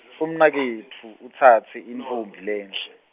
umnaketfu, utsatse, intfombi lenhle.